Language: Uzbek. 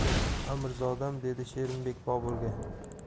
qilgan edim amirzodam dedi sherimbek boburga